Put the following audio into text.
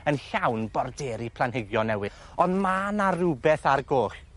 yn llawn borderi planhigion newydd ond ma' 'na rwbeth a'r goll